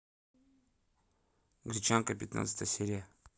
гречанка пятнадцатая серия